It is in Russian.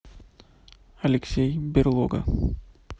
алексей берлога